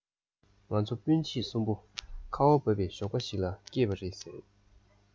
ང ཚོ སྤུན མཆེད གསུམ པོ ཁ བ བབས པའི ཞོགས པ ཞིག ལ སྐྱེས པ རེད ཟེར